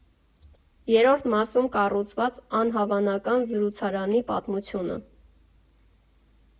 Երրորդ մասում կառուցված անհավանական զրուցարանի պատմությունը։